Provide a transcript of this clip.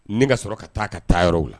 N ka sɔrɔ ka taa ka taa yɔrɔ la